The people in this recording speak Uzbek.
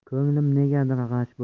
ko'nglim negadir g'ash